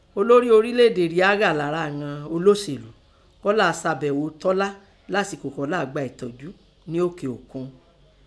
Olórí ọrílẹ́ èdè ria hà lára ìnan olóṣèlú kọ́ làa ṣàbẹ̀ghò Tọ́lá lásìkò kọ́ làa gba ẹ̀tọ́jú nẹ òkè òkun.